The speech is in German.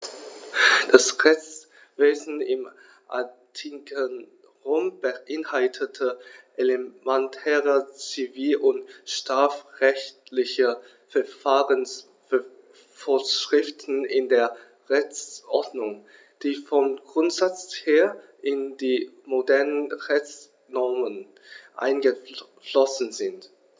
Das Rechtswesen im antiken Rom beinhaltete elementare zivil- und strafrechtliche Verfahrensvorschriften in der Rechtsordnung, die vom Grundsatz her in die modernen Rechtsnormen eingeflossen sind.